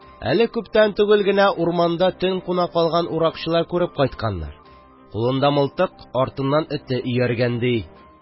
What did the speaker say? Әле күптән түгел генә урманда төн куна калган уракчылар күреп кайтканнар: кулында мылтык, артыннан эте ияргән ди.